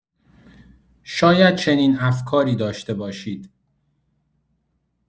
شاید چنین افکاری داشته باشید